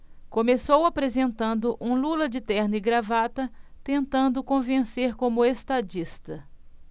começou apresentando um lula de terno e gravata tentando convencer como estadista